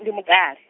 ndi Mutale.